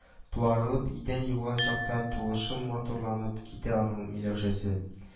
Туарылып идән юган чакта тулышып-матурланып китә аның Миләүшәсе